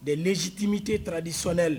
ztimetee taara di sɔnɛ la